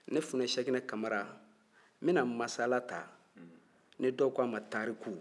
ne funɛ siyɛkinɛ kamara n bɛna masala ta ni dɔw k'a ma tariku